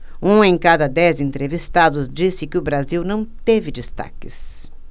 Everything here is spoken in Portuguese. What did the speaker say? um em cada dez entrevistados disse que o brasil não teve destaques